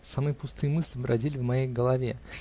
Самые пустые мысли бродили в моей голове.